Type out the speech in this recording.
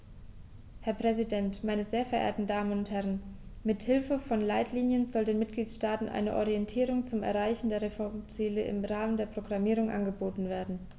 Herr Präsident, meine sehr verehrten Damen und Herren, mit Hilfe von Leitlinien soll den Mitgliedstaaten eine Orientierung zum Erreichen der Reformziele im Rahmen der Programmierung angeboten werden.